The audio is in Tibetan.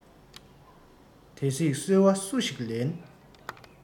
དེ བསྲེགས སོལ བ སུ ཞིག ལེན